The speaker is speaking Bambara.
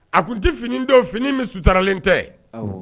A tun tɛ fini don fini min sutaralen tɛ